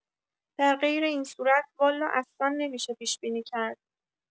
در غیر این صورت والا اصا نمی‌شه پیش‌بینی کرد.